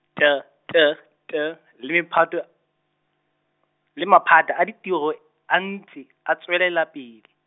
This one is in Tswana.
T T T le phatwe a-, le maphata a ditiro, a ntse, a tswelela pele.